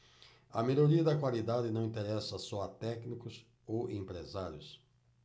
a melhoria da qualidade não interessa só a técnicos ou empresários